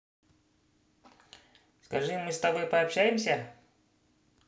скажи мы с тобой пообщаемся